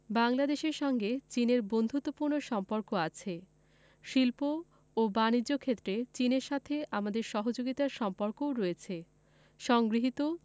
বাংলাদেশের সঙ্গে চীনের বন্ধুত্বপূর্ণ সম্পর্ক আছে শিল্প ও বানিজ্য ক্ষেত্রে চীনের সাথে আমাদের সহযোগিতার সম্পর্কও রয়েছে সংগৃহীত